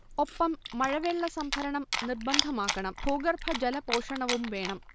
ഒപ്പം മഴവെള്ള സംഭരണം നിർബന്ധമാക്കണം ഭൂഗർഭജലപോഷണവും വേണം